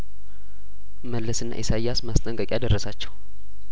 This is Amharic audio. መለስና ኢሳያስ ማስጠንቀቂያደረሳቸው